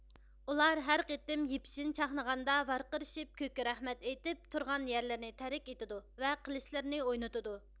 ئۇلار ھەر قىتىم يىپشېن چاقنىغاندا ۋارقىرىشىپ كۆككە رەھمەت ئىيتىپ تۇرغان يەرلىرىنى تەرك ئىتىدۇ ۋە قىلىچلىرىنى ئوينىتىدۇ